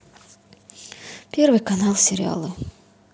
первый канал сериалы